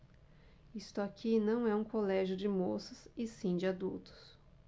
isto aqui não é um colégio de moças e sim de adultos